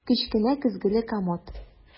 Кечкенә көзгеле комод.